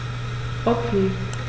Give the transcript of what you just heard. Okay.